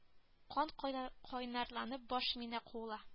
Кан кайнарланып баш миенә куыла